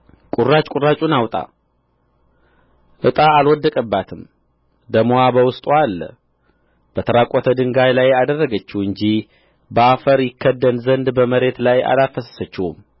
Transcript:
ቍራጭ ቍራጩን አውጣ ዕጣ አልወደቀባትም ደምዋ በውስጥዋ አለ በተራቈተ ድንጋይ ላይ አደረገችው እንጂ በአፈር ይከደን ዘንድ በመሬት ላይ አላፈሰሰችውም